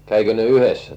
kävikö ne yhdessä